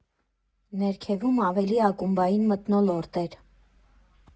Ներքևում ավելի ակումբային մթնոլորտ էր։